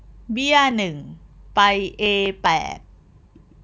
เบี้ยหนึ่งไปเอแปด